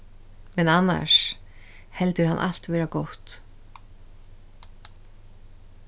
men annars heldur hann alt vera gott